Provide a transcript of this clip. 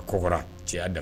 A kɔ kɔrɔ cɛ da